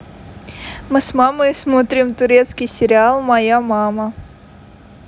мы с мамой смотрим турецкий сериал моя мама